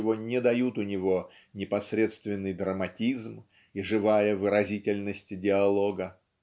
чего не дают у него непосредственный драматизм и живая выразительность диалога.